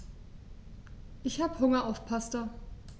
Ich habe Hunger auf Pasta.